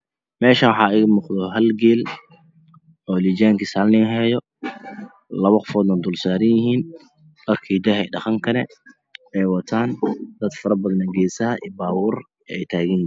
Meeshan waxa iga muuqad hal geela lajankiis hal nin hayo labo qof dulsaaranyihin dharki hidaha iyo dhaqan ay wataan dad faro badan iyo babuur geesaha ka taganyihin